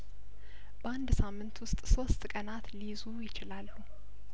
በአንድ ሳምንት ውስጥ ሶስት ቀናት ሊይዙ ይችላሉ